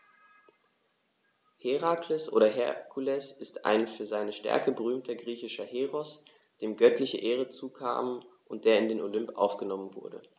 Herakles oder Herkules ist ein für seine Stärke berühmter griechischer Heros, dem göttliche Ehren zukamen und der in den Olymp aufgenommen wurde.